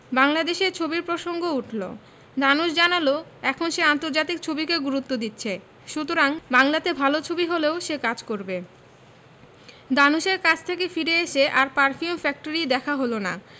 বাংলাদেশের ছবির প্রসঙ্গ উঠলো ধানুশ জানালো এখন সে আন্তর্জাতিক ছবিকে গুরুত্ব দিচ্ছে সুতরাং বাংলাতে ভালো ছবি হলেও সে কাজ করবে ধানুশের কাছে থেকে ফিরে এসে আর পারফিউম ফ্যাক্টরি দেখা হল না